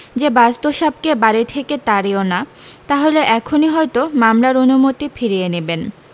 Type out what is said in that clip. যে বাস্তুসাপকে বাড়ী থেকে তাড়িও না তাহলে এখনি হয়তো মামলার অনুমতি ফিরিয়ে নেবেন